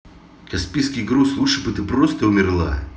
каспийский груз лучше бы ты просто умерла